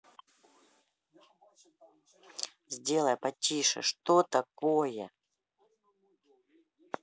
сделай потише что такое